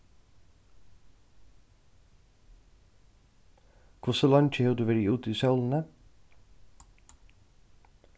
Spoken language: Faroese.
hvussu leingi hevur tú verið úti í sólini